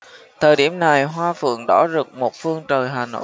thời điểm này hoa phượng đỏ rực một phương trời hà nội